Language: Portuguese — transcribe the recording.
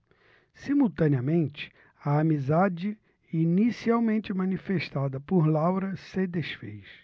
simultaneamente a amizade inicialmente manifestada por laura se disfez